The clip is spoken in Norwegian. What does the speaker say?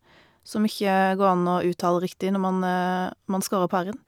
Som ikke går an å uttale riktig når man man skarrer på r-en.